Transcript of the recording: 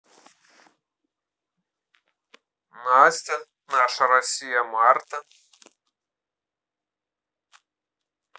настя наша россия марта